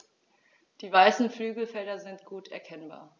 Die weißen Flügelfelder sind gut erkennbar.